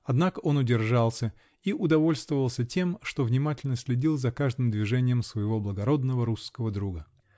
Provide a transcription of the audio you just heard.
Однако он удержался и удовольствовался тем, что внимательно следил за каждым движением своего благородного русского друга!